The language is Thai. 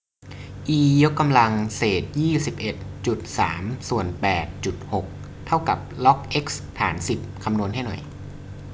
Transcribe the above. อียกกำลังเศษยี่สิบเอ็ดจุดสามส่วนแปดจุดหกเท่ากับล็อกเอ็กซ์ฐานสิบคำนวณให้หน่อย